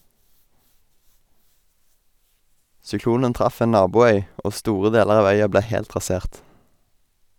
Syklonen traff en naboøy, og store deler av øya ble helt rasert.